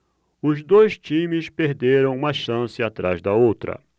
os dois times perderam uma chance atrás da outra